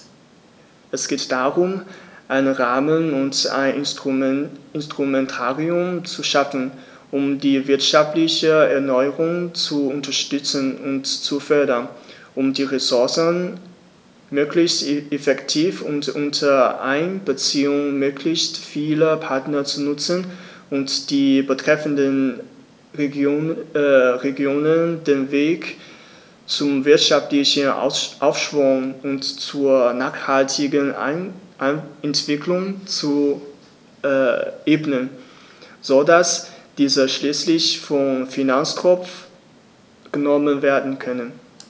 Es geht darum, einen Rahmen und ein Instrumentarium zu schaffen, um die wirtschaftliche Erneuerung zu unterstützen und zu fördern, um die Ressourcen möglichst effektiv und unter Einbeziehung möglichst vieler Partner zu nutzen und den betreffenden Regionen den Weg zum wirtschaftlichen Aufschwung und zur nachhaltigen Entwicklung zu ebnen, so dass diese schließlich vom Finanztropf genommen werden können.